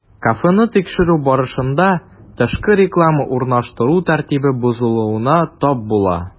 Кафены тикшерү барышында, тышкы реклама урнаштыру тәртибе бозылуына тап була.